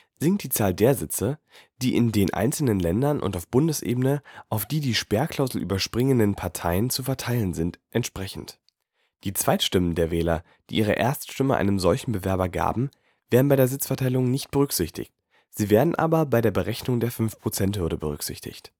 sinkt die Zahl der Sitze, die in den einzelnen Ländern und auf Bundesebene auf die die Sperrklausel überspringenden Parteien zu verteilen sind, entsprechend. Die Zweitstimmen der Wähler, die ihre Erststimme einem solchen Bewerber gaben, werden bei der Sitzverteilung nicht berücksichtigt, sie werden aber bei der Berechnung der 5% - Hürde berücksichtigt